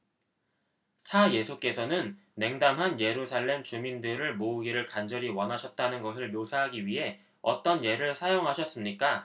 사 예수께서는 냉담한 예루살렘 주민들을 모으기를 간절히 원하셨다는 것을 묘사하기 위해 어떤 예를 사용하셨습니까